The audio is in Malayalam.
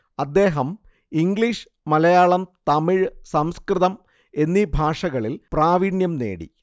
അദ്ദേഹം ഇംഗ്ലീഷ് മലയാളം തമിഴ് സംസ്കൃതം എന്നീ ഭാഷകളിൽ പ്രാവീണ്യം നേടി